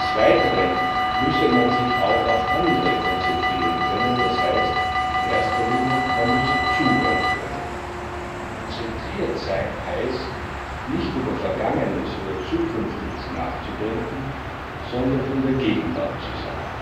Weiteren müsse man sich auch auf andere konzentrieren können, d. h. in erster Linie zuhören können. Konzentriert sein heißt, nicht über Vergangenes oder Zukünftiges nachzudenken, sondern in der Gegenwart zu sein